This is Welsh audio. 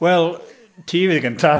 Wel, ti fydd i'r gyntaf...